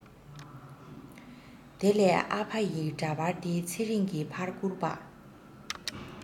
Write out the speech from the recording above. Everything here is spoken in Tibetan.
དེ ལས ཨ ཕ ཡི འདྲ པར དེ ཚེ རིང གི ཕར བསྐུར པ